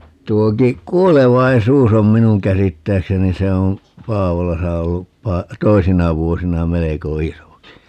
tuokin kuolevaisuus on minun käsittääkseni se on Paavolassa ollut - toisina vuosina melko isokin